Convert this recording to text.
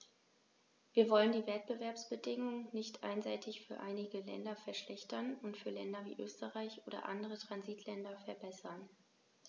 Wir wollen die Wettbewerbsbedingungen nicht einseitig für einige Länder verschlechtern und für Länder wie Österreich oder andere Transitländer verbessern.